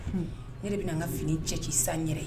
Un, ne de bɛna an ka fini cɛci sisan n yɛrɛ ye